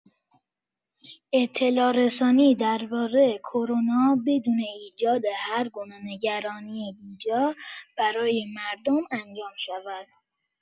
اطلاع‌رسانی درباره کرونا بدون ایجاد هرگونه نگرانی بی‌جا برای مردم انجام شود.